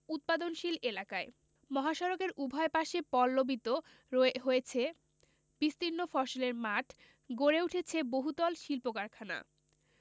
উৎপাদনশীল এলাকায় মহাসড়কের উভয় পাশে পল্লবিত হয়েছে বিস্তীর্ণ ফসলের মাঠ গড়ে উঠেছে বহুতর শিল্প কারখানা